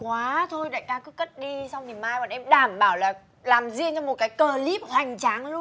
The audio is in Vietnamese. quá thôi đại ca cứ cất đi xong thì mai bọn em đảm bảo là làm diêng cho một cái cờ líp hoành tráng luôn